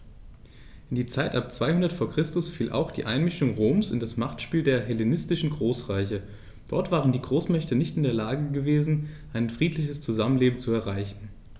In die Zeit ab 200 v. Chr. fiel auch die Einmischung Roms in das Machtspiel der hellenistischen Großreiche: Dort waren die Großmächte nicht in der Lage gewesen, ein friedliches Zusammenleben zu erreichen.